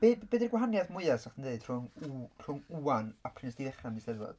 Be be 'di'r gwahaniaeth mwya 'sa chdi'n deud rhwng w-... rhwng ŵan a pryd wnes ti ddechrau mynd i 'Steddfod?